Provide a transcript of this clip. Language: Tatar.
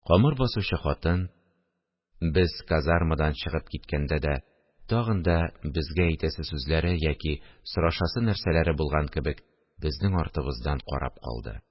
Камыр басучы хатын, без казармадан чыгып киткәндә дә, тагын да безгә әйтәсе сүзләре яки сорашасы нәрсәләре булган кебек, безнең артыбыздан карап калды